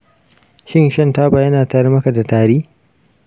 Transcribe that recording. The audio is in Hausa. shin shan taba yana tayar maka da tari?